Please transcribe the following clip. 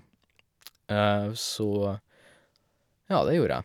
Så, ja, det gjorde jeg.